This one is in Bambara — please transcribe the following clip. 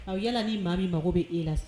A yala ni maa min mago bɛ e la